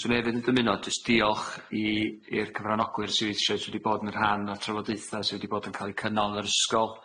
'Swn i hefyd yn dymuno jys' diolch i i'r cyfranogwyr sydd eisoes wedi bod yn rhan o'r trafodaetha sy wedi bod yn ca'l eu cynnal yn yr ysgol.